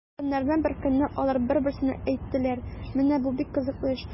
Һәм көннәрдән бер көнне алар бер-берсенә әйттеләр: “Менә бу бик кызыклы эш!”